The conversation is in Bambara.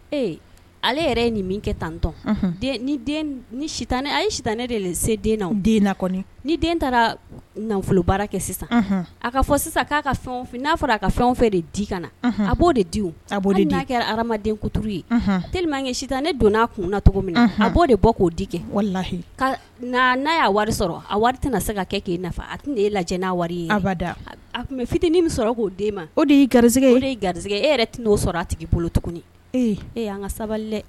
Ee ale yɛrɛ ye nin min kɛ tantɔn ye sitan ne de se den la ni den taara nafolobara kɛ sisan a ka fɔ sisan'a fɛn'a fɔra a ka fɛn fɛ de di kana na a b'o de di a n'a kɛra hadamaden ye tekɛ ne donna'a kun na cogo min a b'o de bɔ k'o di kɛ n'a y' wari sɔrɔ a waati tɛna na se ka kɛ k'i nafa a tɛna ye lajɛ wari ye a fitinin min sɔrɔ k'o den ma o de y yei garigɛ garigɛ e yɛrɛ t'o sɔrɔ a tigi bolo tuguni ee ee an ka sabali dɛ